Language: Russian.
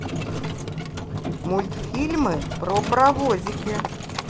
мультфильмы про паровозики